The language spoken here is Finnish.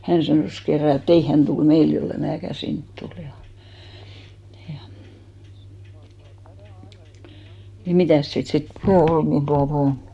hän sanoi kerran et ei hän tule meille jos en minäkään sinne tule ja ja niin mitäs siitä sitten puhe oli niin tuota noin